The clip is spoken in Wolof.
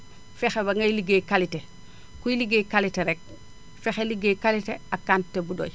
fexe ba ngay liggéey qualité kuy liggéey qualité rek fexe liggéey qualité ak quantité bu doy